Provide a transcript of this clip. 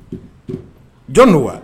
Jɔn don wa